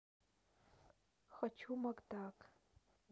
хочу макдак